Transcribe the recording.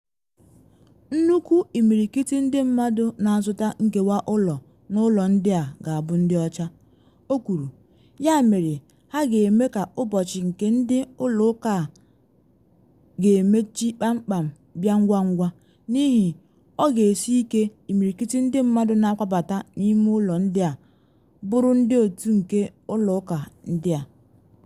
“Nnukwu imirikiti ndị mmadụ na azụta nkewa ụlọ n’ụlọ ndị a ga-abụ ndị ọcha, “o kwuru, “ya mere ha ga-eme ka ụbọchị nke ndị ụlọ ụka a ga-emechi kpamkpam bịa ngwangwa n’ihi ọ ga-esi ike imirikiti ndị mmadụ na akwabata n’ime ụlọ ndị a bụrụ ndị otu nke ụlọ ụka ndị a.”